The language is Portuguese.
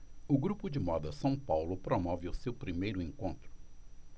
o grupo de moda são paulo promove o seu primeiro encontro